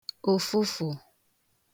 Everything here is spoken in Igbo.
ùfụfù